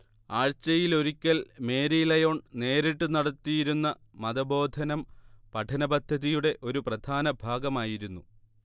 ആഴ്ചയിലൊരിക്കൽ Mary Lyon നേരിട്ടു നടത്തിയിരുന്ന മതബോധനം പഠനപദ്ധതിയുടെ ഒരു പ്രധാന ഭാഗമായിരുന്നു